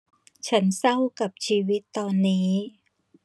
ฉันเศร้ากับชีวิตตอนนี้